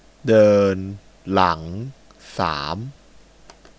เดินหลังสาม